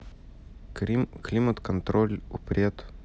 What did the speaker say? климат контроль упрет